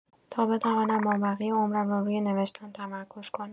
تا بتوانم مابقی عمرم را روی نوشتن تمرکز کنم.